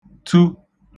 -tu